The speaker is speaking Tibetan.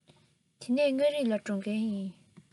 དེ ནས མངའ རིས ལ འགྲོ གི ཡིན